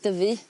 dyfu